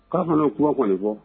K'a ben'o kuma fɔ réseau k